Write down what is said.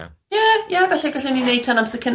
Ie, ie falle gallwn ni neud hyn amser cino